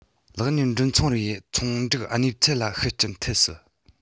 ལག ཉིས འགྲིམ ཚོང རའི ཚོང འགྲིག གནས ཚུལ ལ ཤུགས རྐྱེན ཐེབས སྲིད